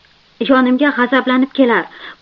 yonimga g'azablanib kelar